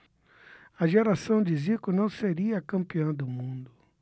a geração de zico não seria campeã do mundo